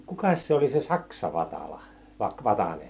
kukas se oli se - saksa-Vatala - Vatanen